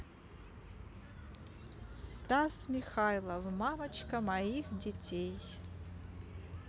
стас михайлов мамочка моих детей